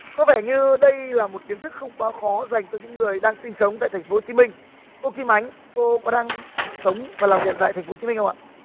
có vẻ như đây là một kiến thức không quá khó dành cho những người đang sinh sống tại thành phố hồ chí minh cô kim ánh cô có đang sống và làm việc tại thành phố hồ chí minh không ạ